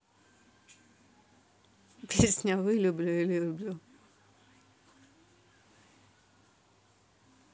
песня вылюблю и люблю